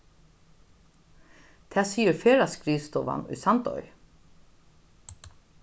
tað sigur ferðaskrivstovan í sandoy